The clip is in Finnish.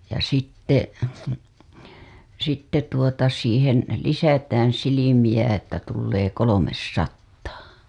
ja sitten sitten tuota siihen lisätään silmiä että tulee kolmesataa